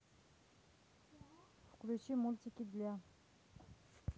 включи мультики для